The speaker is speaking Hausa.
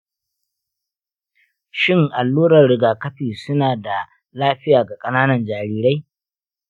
shin alluran rigakafi suna da lafiya ga ƙananan jarirai?